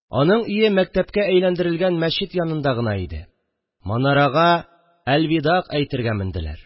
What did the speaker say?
Аның өе мәктәпкә әйләндерелгән мәчет янында гына иде, манарага әлвидаг әйтергә менделәр